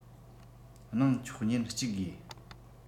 གནང ཆོག ཉིན ༡ དགོས